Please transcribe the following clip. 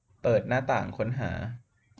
เปิดหน้าต่างค้นหา